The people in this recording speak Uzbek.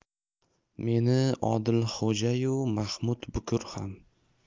meni odilxo'jayu mahmud bukur ham